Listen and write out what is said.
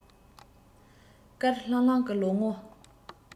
དཀར ལྷང ལྷང གི ལོ ངོ